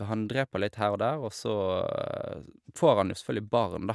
Han dreper litt her og der, og så får han jo selvfølgelig barn, da.